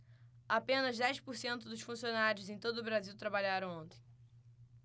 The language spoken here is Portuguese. apenas dez por cento dos funcionários em todo brasil trabalharam ontem